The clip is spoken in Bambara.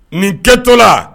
Nin kɛtɔ